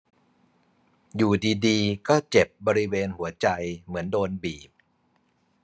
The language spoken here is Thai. อยู่ดีดีก็เจ็บบริเวณหัวใจเหมือนโดนบีบ